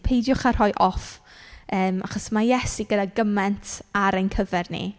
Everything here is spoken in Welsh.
Peidiwch a rhoi off, yym achos ma' Iesu gyda gymaint ar ein cyfer ni.